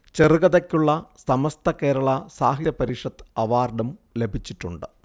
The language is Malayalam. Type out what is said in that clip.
ചെറുകഥയ്ക്കുളള സമസ്ത കേരള സാഹിത്യ പരിഷത്ത് അവാർഡും ലഭിച്ചിട്ടുണ്ട്